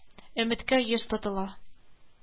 Илфат сөйләп бирде.